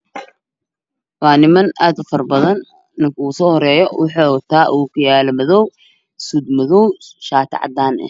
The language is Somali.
waa niman aada u fara badan ninka ugu soo horreeyo wuxuu wataa ookiyaalo madoow suud madoow shaati cadan ah